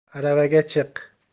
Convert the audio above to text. aravaga chiq